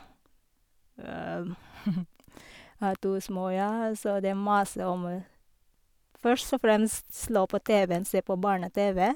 Har to små, ja, så dem maser om først og fremst slå på TV-en, se på barne-TV.